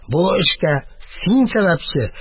Бу эшкә син сәбәпче.